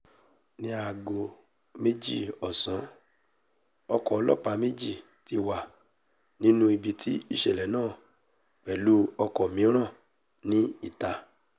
Ní aago méjì ọ̀sán ọkọ̀ ọlọ́ọ̀pá méji ti wà nínú ibití ìṣẹlẹ náà pẹ̀lú ọkọ̀ mìíràn ní ìta.